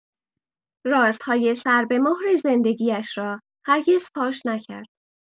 رازهای سربه‌مهر زندگی‌اش را هرگز فاش نکرد.